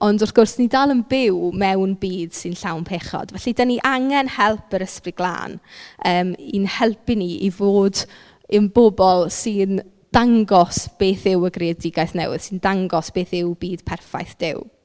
Ond wrth gwrs ni'n dal yn byw mewn byd sy'n llawn pechod. Felly dan ni angen help yr ysbryd glân yym i'n helpu ni i fod yn bobl sy'n dangos beth yw y greadigaeth newydd... sy'n dangos beth yw byd perffaith Duw.